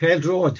Pêl-drod.